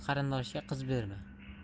qarindoshga qiz berma